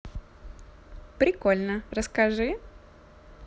прикольно расскажи